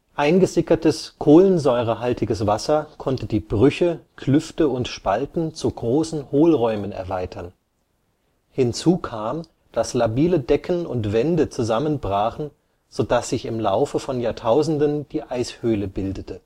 Eingesickertes kohlensäurehaltiges Wasser konnte die Brüche, Klüfte und Spalten zu großen Hohlräumen erweitern. Hinzu kam, dass labile Decken und Wände zusammenbrachen, so dass sich im Laufe von Jahrtausenden die Eishöhle bildete